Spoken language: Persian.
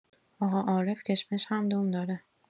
آقا عارف کشمش هم دم داره!